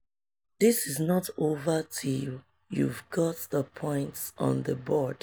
This is not over till you've got the points on the board.